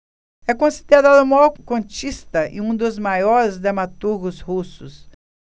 é considerado o maior contista e um dos maiores dramaturgos russos